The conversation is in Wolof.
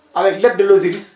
avec l' aide de *